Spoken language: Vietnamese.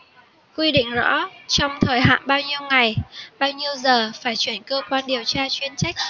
quy định rõ trong thời hạn bao nhiêu ngày bao nhiêu giờ phải chuyển cơ quan điều tra chuyên trách